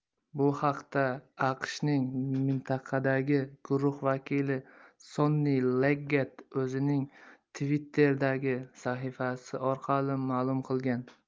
bu haqda aqshning mintaqadagi guruhi vakili sonni leggett o'zining twitter'dagi sahifasi orqali ma'lum qilgan